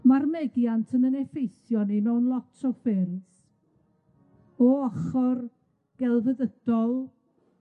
Ma'r megiant yn n effeithio ni mewn lot o ffyrdd, o ochor gelfyddydol,